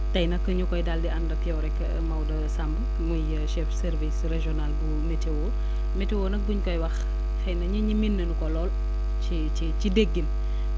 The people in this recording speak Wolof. tey nag ñu koy daal di ànd ak yow rek Maodo Samb muy chef service réginal bu météo météo nag buñ koy wax xëy na nit ñi miin nañu ko lool ci ci ci déggin